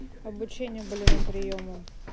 обучение болевым приемам